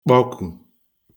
kpọkù